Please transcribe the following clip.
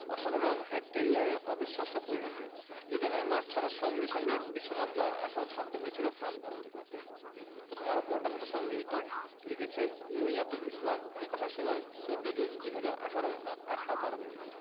অসাধারণ এক ক্যারিয়ারের অবিশ্বাস্য পরিণতি জিদানের মাঠ ছাড়ার সঙ্গে সঙ্গে বিশ্বকাপ জয়ের আশাও ছাড়তে হয়েছিল ফ্রান্স ভক্তদের প্রথমআলো পোর্টাল হতে সংগৃহীত লিখেছেন নুহিয়াতুল ইসলাম প্রকাশের সময় ১৪জুন ২০১৮ রাত ৮টা ১২ মিনিট